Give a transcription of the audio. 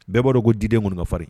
Bɛɛ b'a dɔn ko diden kɔni ka faririn